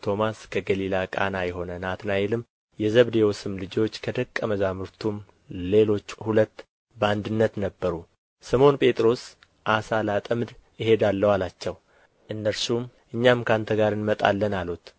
ቶማስ ከገሊላ ቃና የሆነ ናትናኤልም የዘብዴዎስም ልጆች ከደቀ መዛሙርቱም ሌሎች ሁለት በአንድነት ነበሩ ስምዖን ጴጥሮስ ዓሣ ላጠምድ እሄዳለሁ አላቸው እነርሱም እኛም ከአንተ ጋር እንመጣለን አሉት